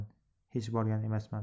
hech borgan emasman